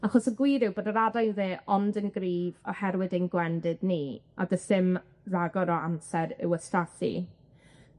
Achos y gwir yw bod yr adain dde ond yn gryf oherwydd ein gwendid ni, a do's dim ragor o amser i'w wastraffu.